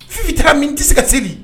Fibi taga min tɛ se ka seli